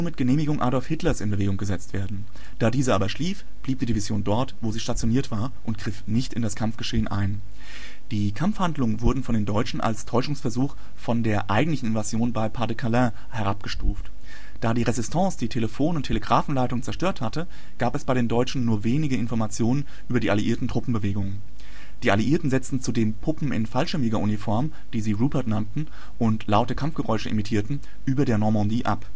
Genehmigung Adolf Hitlers in Bewegung gesetzt werden. Da dieser aber schlief, blieb die Division dort, wo sie stationiert war und griff nicht in das Kampfgeschehen ein. Die Kampfhandlungen wurden von den Deutschen als Täuschungsversuch von der eigentlichen Invasion beim Pas-de-Calais herabgestuft. Da die Résistance die Telefon - und Telegraphenleitungen zerstört hatte, gab es bei den Deutschen nur wenige Informationen über die alliierten Truppenbewegungen. Die Alliierten setzten zudem Puppen in Fallschirmjägeruniform, die sie Rupert nannten und laute Kampfgeräusche imitierten, über der Normandie ab